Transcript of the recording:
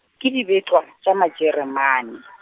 ke dibetlwa tša Majeremane.